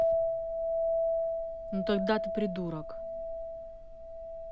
ну тогда ты придурок